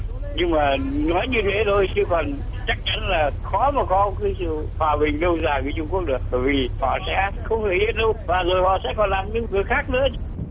nhưng mà nói như thế thôi chứ còn chắc chắn là khó có thứ gì hòa bình lâu dài với trung quốc được bởi vì họ sẽ không để yên đâu và rồi họ sẽ làm những việc khác nữa